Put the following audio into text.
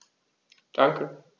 Danke.